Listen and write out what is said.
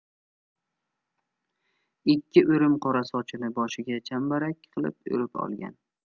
ikki o'rim qora sochini boshiga chambarak qilib o'rib olgan